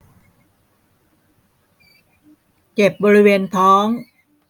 เจ็บบริเวณท้อง